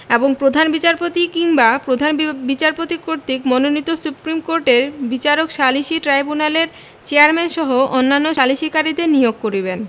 এবং প্রধান বিচারপতি কিংবা প্রধান বিচারপতি কর্তৃক মনোনীত সুপ্রীম কোর্টের বিচারক সালিসী ট্রাইব্যুনালের চেয়ারম্যানসহ অন্যান্য সালিশিকারীদের নিয়োগ করিবেন